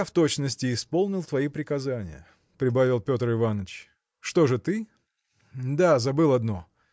я в точности исполнил твои приказания – прибавил Петр Иваныч – что же ты?. да: забыл одно.